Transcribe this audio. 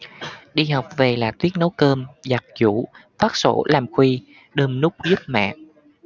đi học về là tuyết nấu cơm giặt giũ vắt sổ làm khuy đơm nút giúp mẹ